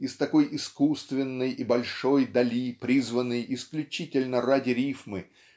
из такой искусственной и большой дали призванный исключительно ради рифмы